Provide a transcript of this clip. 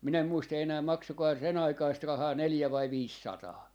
minä en muista enää maksoikohan se sen aikaista rahaa neljä vai viisisataa